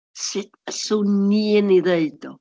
Sut baswn i yn ei ddeud o?